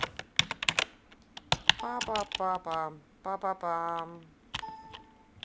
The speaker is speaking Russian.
папа папа па па па